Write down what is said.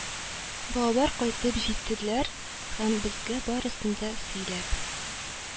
Балалар кайтып җиттеләр һәм безгә барысын да сөйләп